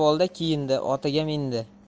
ahvolda kiyindi otiga mindi